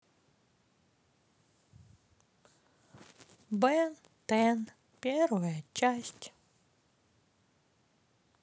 бен тэн первая часть